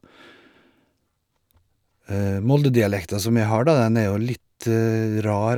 Molde-dialekta som jeg har, da, den er jo litt rar.